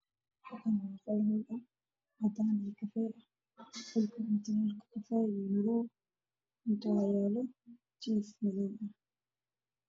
Waa qol kor midabkiisii yahay qalin